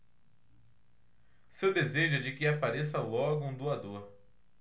seu desejo é de que apareça logo um doador